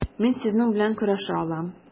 Мин сезнең белән көрәшә алам.